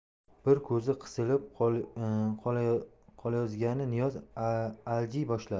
bir ko'zi qisilib qolayozgan niyoz aljiy boshladi